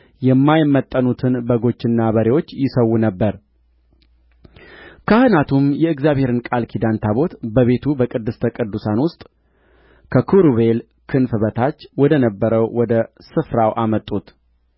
የማይመጠኑትን በጎችና በሬዎች ይሠዉ ነበር ካህናቱም የእግዚአብሔርን ቃል ኪዳን ታቦት በቤቱ በቅድስተ ቅዱሳን ውስጥ ከኪሩቤል ክንፍ በታች ወደ ነበረው ወደ ስፍራው አመጡት